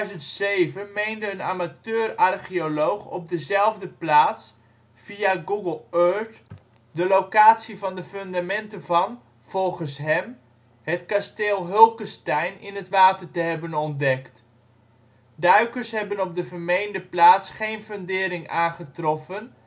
In 2007 meende een amateur-archeoloog op dezelfde plaats via Google Earth de locatie van de fundamenten van, volgens hem, het kasteel Hulckesteijn in het water te hebben ontdekt. Duikers hebben op de vermeende plaats geen fundering aangetroffen